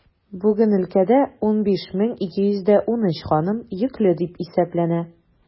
Бүген өлкәдә 15213 ханым йөкле дип исәпләнә.